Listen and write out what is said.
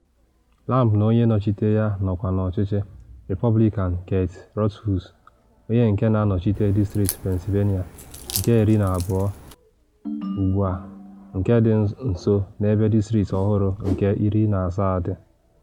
Lamb na onye nnọchite ya nọkwa n’ọchịchị, Repọblikan Keith Rothfus, onye nke na-anọchite distrit Pennsylvania nke iri na abụọ 12th ugbua, nke dị nso n'ebe distrit ọhụrụ nke iri na asaa dị.